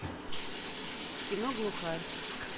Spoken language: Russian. кино глухарь